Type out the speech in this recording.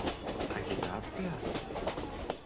Агитация?!